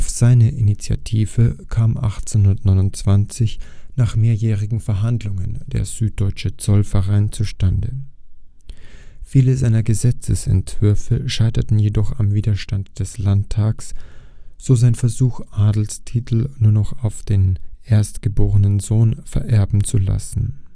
seine Initiative kam 1829 nach mehrjährigen Verhandlungen der Süddeutsche Zollverein zustande. Viele seiner Gesetzesentwürfe scheiterten jedoch am Widerstand des Landtags, so sein Versuch, Adelstitel nur noch auf den erstgeborenen Sohn vererben zu lassen